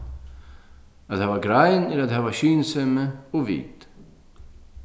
at hava grein er at hava skynsemi og vit